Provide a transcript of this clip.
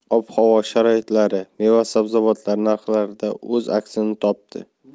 ob havo sharoitlari meva sabzavotlar narxlarida o'z aksini topdi